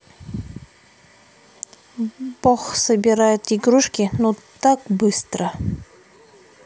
бог собирает игрушки ну так быстро